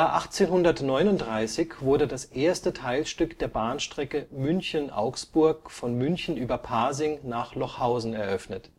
1839 wurde das erste Teilstück der Bahnstrecke München – Augsburg von München über Pasing nach Lochhausen eröffnet